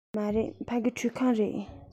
མ རེད ཕ གི ཁྲུད ཁང རེད